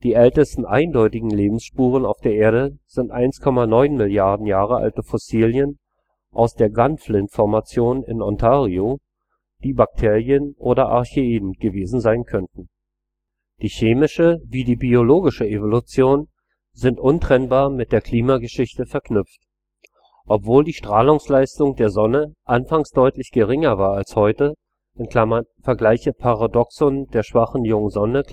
ältesten eindeutigen Lebensspuren auf der Erde sind 1,9 Milliarden Jahre alte Fossilien aus der Gunflint-Formation in Ontario, die Bakterien oder Archaeen gewesen sein könnten. Die chemische wie die biologische Evolution sind untrennbar mit der Klimageschichte verknüpft. Obwohl die Strahlungsleistung der Sonne anfangs deutlich geringer als heute war (vgl. Paradoxon der schwachen jungen Sonne